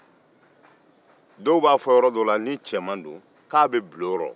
ni cɛman don don dɔw b'a fɔ yɔrɔ dɔw la k'a be bulon rɔ